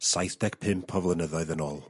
...saith deg pump o flynyddoedd yn ôl.